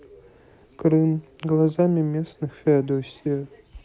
крым глазами местных феодосия